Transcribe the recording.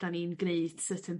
'dan ni'n gneud certain...